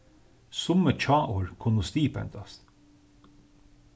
summi hjáorð kunnu stigbendast